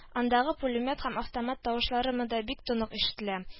Андагы пулемет һәм автомат тавышлары монда бик тонык ишетелә